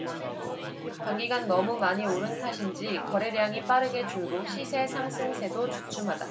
단기간 너무 많이 오른 탓인지 거래량이 빠르게 줄고 시세 상승세도 주춤하다